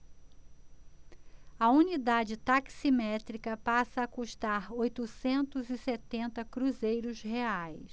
a unidade taximétrica passa a custar oitocentos e setenta cruzeiros reais